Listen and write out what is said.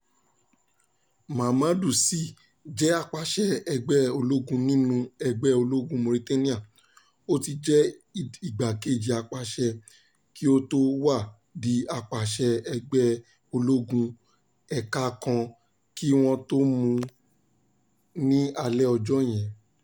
Mamadou Sy jẹ́ apàṣẹ ẹgbẹ́-ológun nínú ẹgbẹ́ ológun Mauritania, ó ti jẹ́ igbákejì apàṣẹ, kí ó tó wá di apàṣẹ ẹgbẹ́ ológun ẹ̀ka kan kí wọ́n tó mú un ní alẹ́ ọjọ́ yẹn.